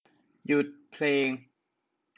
หยุดเพลง